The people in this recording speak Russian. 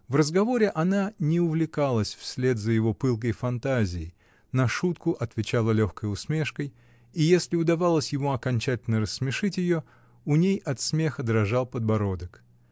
В разговоре она не увлекалась вслед за его пылкой фантазией, на шутку отвечала легкой усмешкой, и если удавалось ему окончательно рассмешить ее, у ней от смеха дрожал подбородок.